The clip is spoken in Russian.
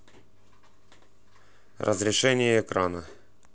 разрешение экрана